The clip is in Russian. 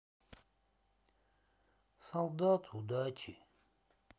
солдат удачи